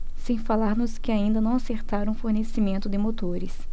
sem falar nos que ainda não acertaram o fornecimento de motores